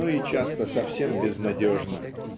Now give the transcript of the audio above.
но и часто совсем безнадежно